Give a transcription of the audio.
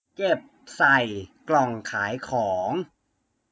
เก็บใส่กล่องขายของ